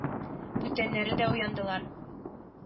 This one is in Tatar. Бүтәннәре дә уяндылар